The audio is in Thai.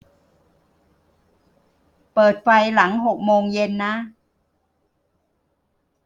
เปิดไฟหลังหกโมงเย็นนะ